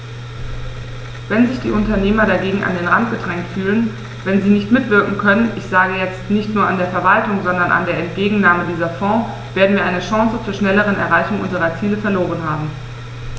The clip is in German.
Wenn sich die Unternehmer dagegen an den Rand gedrängt fühlen, wenn sie nicht mitwirken können ich sage jetzt, nicht nur an der Verwaltung, sondern an der Entgegennahme dieser Fonds , werden wir eine Chance zur schnelleren Erreichung unserer Ziele verloren haben.